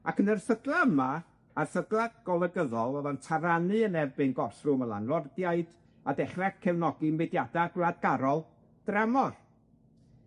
Ac yn yr erthygla yma, a erthygla golygyddol o'dd o'n taranu yn erbyn gorthrwm y lanlordiaid a dechra cefnogi mudiada gwladgarol dramor.